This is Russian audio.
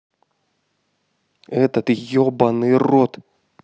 этот ебаный рот